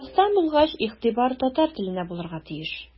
Татарстан булгач игътибар татар теленә булырга тиеш.